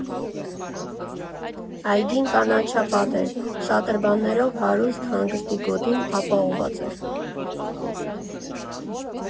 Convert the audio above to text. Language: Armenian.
Այգին կանաչապատ էր, շատրվաններով հարուստ, հանգստի գոտին ապահովված էր։